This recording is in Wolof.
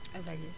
avce yi